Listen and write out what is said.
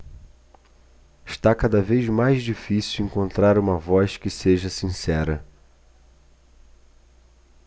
está cada vez mais difícil encontrar uma voz que seja sincera